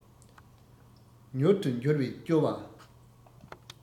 མྱུར དུ འགྱུར བས སྐྱོ བ